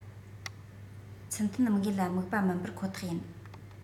ཚུལ མཐུན དམིགས ཡུལ ལ དམིགས པ མིན པར ཁོ ཐག ཡིན